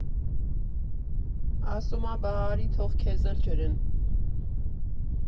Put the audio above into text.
Ասում ա՝ «բա արի թող քեզ էլ ջրեն»։